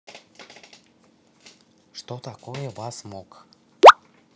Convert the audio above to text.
что такое васмог